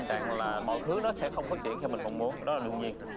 trạng là mọi thứ nó sẽ không phát triển theo mình mong muốn cái đó là đương nhiên